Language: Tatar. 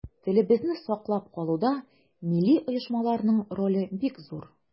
Телебезне саклап калуда милли оешмаларның роле бик зур.